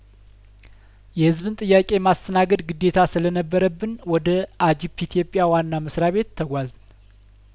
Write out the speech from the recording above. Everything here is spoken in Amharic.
የህዝብን ጥያቄ ማስተናገድ ግዴታ ስለነበረብን ወደ አጂፕ ኢትዮጵያዋና መስሪያቤት ተጓዝን